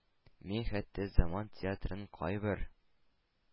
Мин хәтта заман театрының кайбер